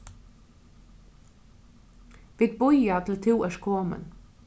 vit bíða til tú ert komin